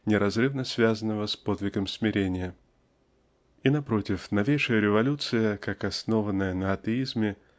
неразрывно связанного с подвигом смирения. И напротив новейшая революция как основанная на атеизме